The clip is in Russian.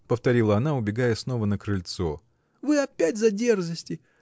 — повторила она, убегая снова на крыльцо, — вы опять за дерзости!